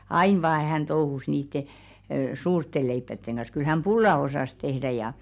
aina vain hän touhusi niiden suurten leipien kanssa kyllä hän pullaa osasi tehdä ja